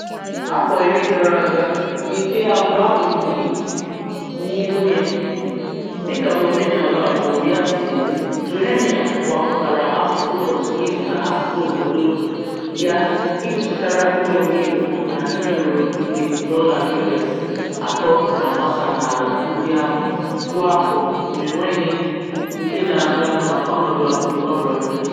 Afọ iri gara aga, n'ite agba uhie n'ihu ya, dịka n'omenala agbụrụ ya si dị, Joenia gwakọtara asụsụ Portuguese na asụsụ obodo ya iji chetara ndị omeiwu na ihe ruru nde dollar US atọ na-agbasa n'ala ndị ahụ kwa afọ n'enweghị nke na-aga maka ọnọdụ akụnaụba Brazil.